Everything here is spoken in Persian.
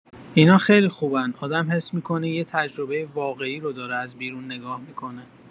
اینا خیلی خوبن، آدم حس می‌کنه یه تجربه واقعی رو داره از بیرون نگاه می‌کنه.